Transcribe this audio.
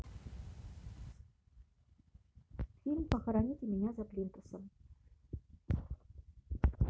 фильм похороните меня за плинтусом